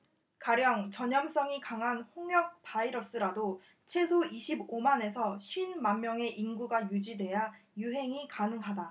가령 전염성이 강한 홍역 바이러스라도 최소 이십 오 만 에서 쉰 만명의 인구가 유지돼야 유행이 가능하다